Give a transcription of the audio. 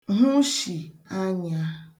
hụshì anyā